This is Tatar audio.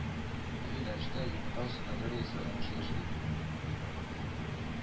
Бу юнәлештә Йоматау санаториесе уңышлы эшли